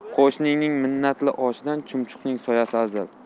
qo'shnining minnatli oshidan chumchuqning soyasi afzal